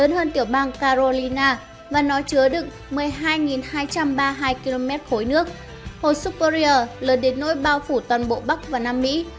lớn hơn tiểu bang carolina và nó chứa đựng km nước hồ superior lớn đến nỗi đủ bao phủ toàn bộ bắc và nam mỹ